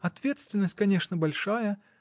Ответственность, конечно, большая